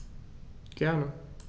Gerne.